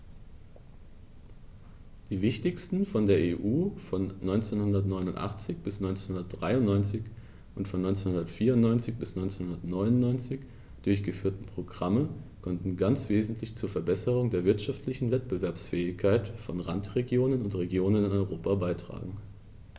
Die wichtigsten von der EU von 1989 bis 1993 und von 1994 bis 1999 durchgeführten Programme konnten ganz wesentlich zur Verbesserung der wirtschaftlichen Wettbewerbsfähigkeit von Randregionen und Regionen in Europa beitragen.